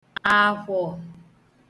àkwhọ̀